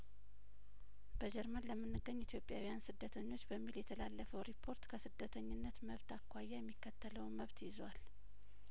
በጀርመን ለምንገኝ ኢትዮጵያውያን ስደተኞች በሚል የተላለፈው ሪፖርት ከስደተኝነት መብት አኳያ የሚከተለውን መብት ይዟል